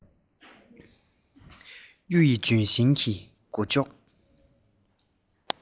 གཡུ ཡི ལྗོན ཤིང གི མགོ ལྕོག